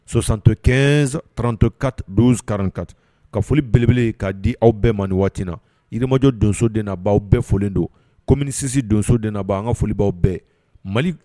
Kɛ ttɔ ka foli bele k kaa di aw bɛɛ man waati na yirimajɔ donso de baw bɛɛ don ko minisisi donso de ban an ka folibaw bɛɛ